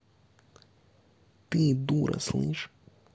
ты дура слышь